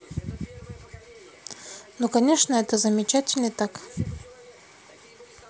ну конечно это замечательный так